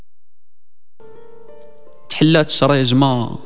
محلات سرايا زمان